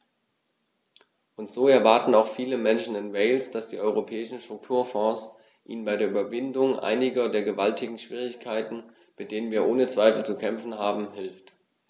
Und so erwarten auch viele Menschen in Wales, dass die Europäischen Strukturfonds ihnen bei der Überwindung einiger der gewaltigen Schwierigkeiten, mit denen wir ohne Zweifel zu kämpfen haben, hilft.